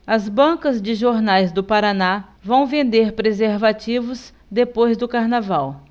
as bancas de jornais do paraná vão vender preservativos depois do carnaval